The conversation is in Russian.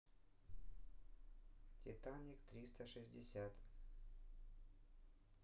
титаник триста шестьдесят